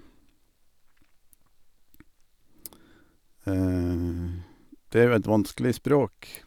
Det er jo et vanskelig språk.